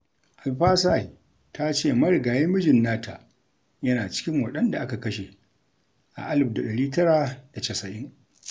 Alpha Sy ta ce marigayi mijin nata yana cikin waɗanda aka kashe a 1990.